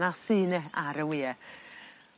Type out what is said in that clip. na sy 'near y wye.